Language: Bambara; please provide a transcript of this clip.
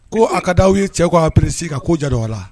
Ko a ka da u ye cɛ ko a prisi ka koo jara o la